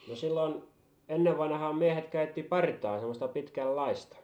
no silloin ennen vanhaan miehet käytti partaa semmoista pitkänlaista